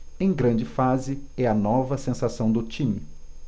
em grande fase é a nova sensação do time